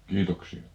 kiitoksia